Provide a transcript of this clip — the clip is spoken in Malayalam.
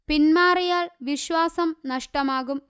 പിന്മാറിയാൽ വിശ്വാസം നഷ്ടമാകും